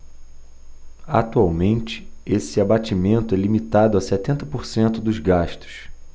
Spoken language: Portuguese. atualmente esse abatimento é limitado a setenta por cento dos gastos